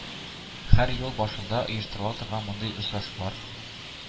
Һәр ел башында оештырыла торган мондый очрашулар